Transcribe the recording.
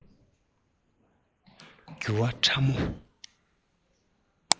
རྒྱུ བ ཕྲ མོ